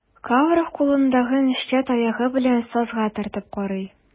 Кауров кулындагы нечкә таягы белән сазга төртеп карый.